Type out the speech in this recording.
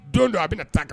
Don dɔ a bi na taa ka